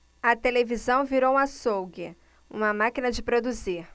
a televisão virou um açougue uma máquina de produzir